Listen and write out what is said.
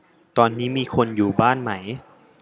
ตอนนี้มีคนอยู่บ้านไหม